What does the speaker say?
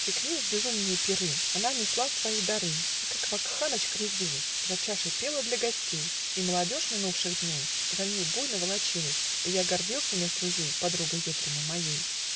И к ним в безумные пиры Она несла свои дары И как вакханочка резвилась, За чашей пела для гостей, И молодежь минувших дней За нею буйно волочилась, А я гордился меж друзей Подругой ветреной моей.